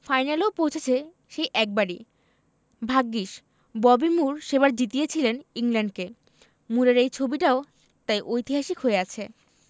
ফাইনালেও পৌঁছেছে সেই একবারই ভাগ্যিস ববি মুর সেবার জিতিয়েছিলেন ইংল্যান্ডকে মুরের এই ছবিটাও তাই ঐতিহাসিক হয়ে আছে